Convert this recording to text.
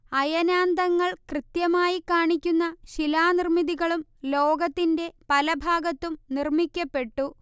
അയനാന്തങ്ങൾ കൃത്യമായി കാണിക്കുന്ന ശിലാനിർമ്മിതികളും ലോകത്തിന്റെ പലഭാഗത്തും നിർമ്മിക്കപ്പെട്ടു